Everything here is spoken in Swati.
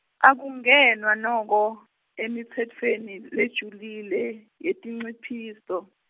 akungenwa noko, emitsetfweni lejulile, yetinciphiso.